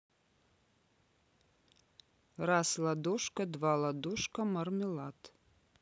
раз ладошка два ладошка мармелад